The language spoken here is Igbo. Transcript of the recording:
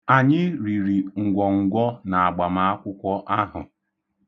Anyị riri ngwọngwọ n'agbamakwụkwọ ahụ.